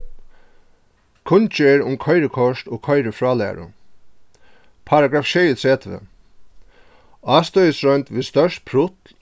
kunngerð um koyrikort og koyrifrálæru paragraff sjeyogtretivu ástøðisroynd stórt prutl